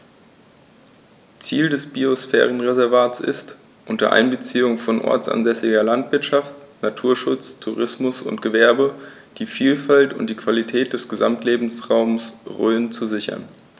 Ziel dieses Biosphärenreservates ist, unter Einbeziehung von ortsansässiger Landwirtschaft, Naturschutz, Tourismus und Gewerbe die Vielfalt und die Qualität des Gesamtlebensraumes Rhön zu sichern.